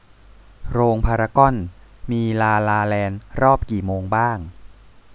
โรงพารากอนมีลาลาแลนด์รอบกี่โมงบ้าง